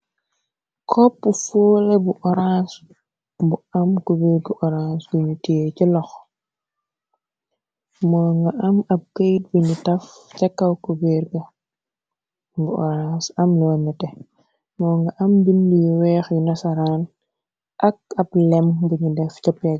Koope foole bu orange, bu am cubirge orange guñu tee ci lox, moo nga am ab kayte bi nu taf cakaw kubirg, bu orange am loo nete, moo nga am bind yu weex, yu nasaraan, ak ab lem buñu def ca pege.